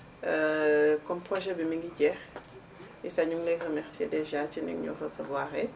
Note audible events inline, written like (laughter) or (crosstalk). (hesitation) comme projet bi mi ngi jeex Issa ñoo ngi lay remercié dèjà si ni nga ñu recevoir ree